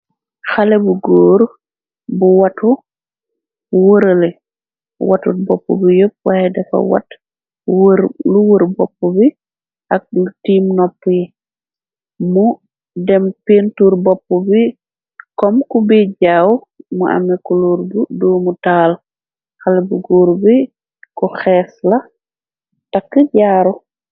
Xale bu góor bu watu wërale. Watut bopp bi yepp waaye dafa wat lu wër bopp bi ak tiim nopp yi. Mu dem pentur bopp bi kom ku bi jaaw. Mu ame kuluor bu duumu taal xale bu góor bi ku xees la takk jaaru.